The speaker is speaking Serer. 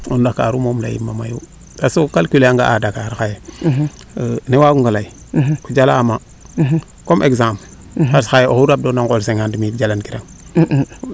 o ndakaru moom leyim ma mayu parce que o calculer a nga a Dakar xaye ne waago nga ley o jalama comme exemple parce :far que :far xaye oxeu rab deerona o ngool cinquante mille xaye jalang kirang